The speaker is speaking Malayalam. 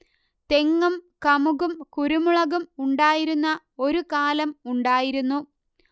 തെങ്ങും കമുകും കുരുമുളകും ഉണ്ടായിരുന്ന ഒരു കാലം ഉണ്ടായിരുന്നു